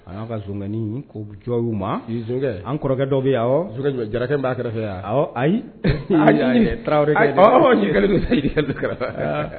A y'a ka zin jɔn y' makɛ an kɔrɔkɛ dɔ bɛ jara b'a kɛrɛfɛ yan ayi tarawele kɛrɛfɛ